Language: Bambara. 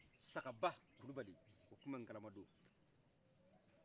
sakaba kulubali o tun bɛ kalama do